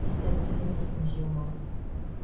Узган елны исә бөтенләй төркем җыелмаган.